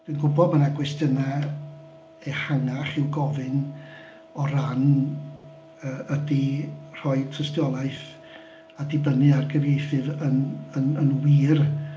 Dwi'n gwbod bod 'na gwestiynau ehangach i'w gofyn o ran yy ydy rhoi tystiolaeth a dibynnu ar gyfieithydd yn yn yn wir...